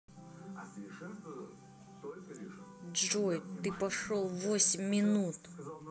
джой ты пошел восемь минут